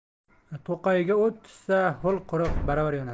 to'qayga o't tushsa ho'l quruq baravar yonar